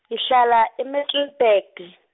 ngihlala e- Middelburg .